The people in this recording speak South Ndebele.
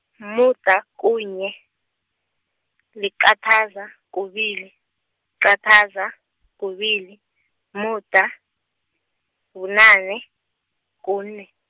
umuda kunye, liqathaza, kubili, liqathaza, kubili, umuda, bunane, kune.